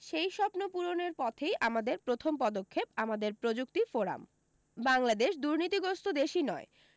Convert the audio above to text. সেই স্বপ্ন পূরণের পথেই আমাদের প্রথম পদক্ষেপ আমাদের প্রযুক্তি ফোরাম বাংলাদেশ দুর্নীতিগ্রস্থ দেশি নয়